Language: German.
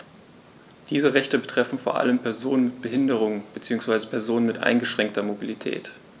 Diese Rechte betreffen vor allem Personen mit Behinderung beziehungsweise Personen mit eingeschränkter Mobilität.